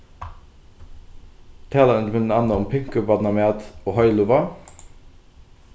talan er millum annað um pinkubarnamat og heilivág